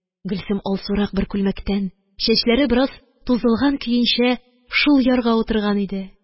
Гөлсем алсурак бер күлмәктән, чәчләре бераз тузылган көенчә, шул ярга утырган иде.